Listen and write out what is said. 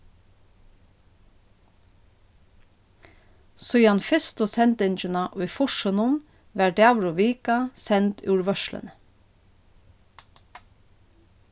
síðan fyrstu sendingina í fýrsunum varð dagur og vika send úr vørðsluni